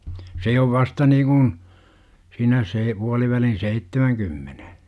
se on vasta niin kuin siinä - puoliväliin seitsemänkymmenen